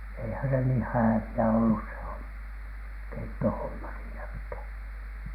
eihän se niin hääviä ollut se homma keittohomma siinäkään